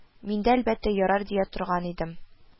Миндә, әлбәттә, "ярар" дия торган идем